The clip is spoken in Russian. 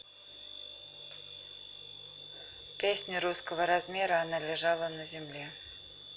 песни русского размера она лежала на земле